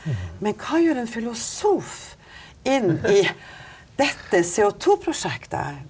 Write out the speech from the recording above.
men hva gjør en filosof inn i dette CO2-prosjektet?